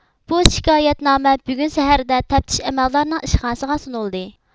بۇ شىكايەتنامە بۈگۈن سەھەردە تەپتىش ئەمەلدارىنىڭ ئىشخانىسىغا سۇنۇلدى